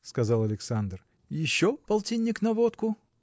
– сказал Александр, – еще полтинник на водку!